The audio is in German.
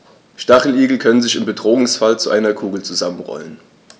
Stacheligel können sich im Bedrohungsfall zu einer Kugel zusammenrollen.